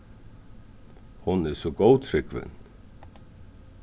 hon er so góðtrúgvin